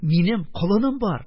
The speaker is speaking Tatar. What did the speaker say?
Минем колыным бар.